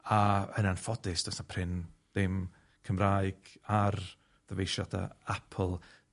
a, yn anffodus, does 'na prin ddim Cymraeg ar ddyfeisiada Apple.